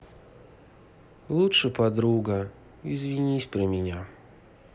лучше подруга извинись про меня